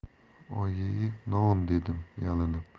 oyi i non dedim yalinib